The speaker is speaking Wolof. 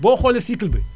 boo xoolee cycle bi